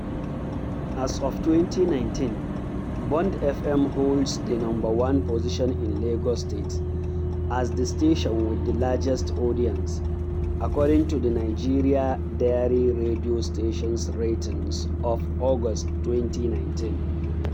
As of 2019, Bond FM holds the number 1 position in Lagos State as the station with the largest audience, according to the Nigeria Diary Radio Stations Ratings of August 2019.